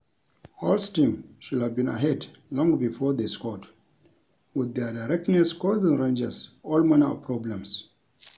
Holt's team should have been ahead long before they scored, with their directness causing Rangers all manner of problems.